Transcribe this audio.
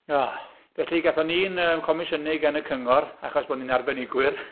O... Felly gaethon ni'n comisiynu gan y cyngor, achos bod ni'n arbenigwyr.